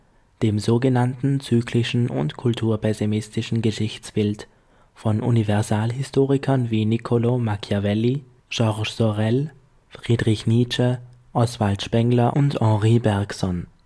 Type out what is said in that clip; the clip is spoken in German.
dem so genannten zyklischen und kulturpessimistischen Geschichtsbild, von Universalhistorikern wie Niccolò Machiavelli, Georges Sorel, Friedrich Nietzsche, Oswald Spengler und Henri Bergson